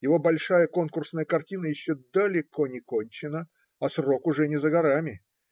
его большая конкурсная картина еще далеко не кончена, а срок уже не за горами.